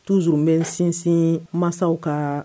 Toujours bɛ sinsin masaw ka